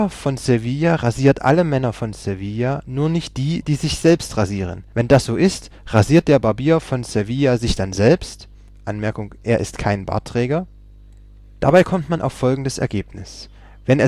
von Sevilla rasiert alle Männer von Sevilla, nur nicht die, die sich selbst rasieren. Wenn das so ist, rasiert der Barbier von Sevilla sich dann selbst (er ist kein Bartträger)? Dabei kommt man auf folgendes Ergebnis: Wenn